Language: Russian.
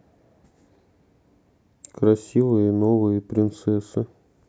красивые новые принцессы